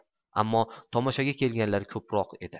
ammo tomoshaga kelganlar ko'proq edi